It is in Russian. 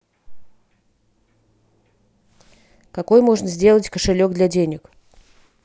какой можно сделать кошелек для денег